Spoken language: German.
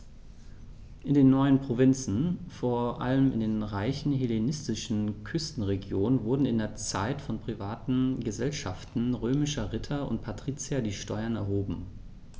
In den neuen Provinzen, vor allem in den reichen hellenistischen Küstenregionen, wurden in dieser Zeit von privaten „Gesellschaften“ römischer Ritter und Patrizier die Steuern erhoben.